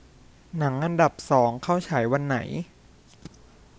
หนังอันดับสองเข้าฉายวันไหน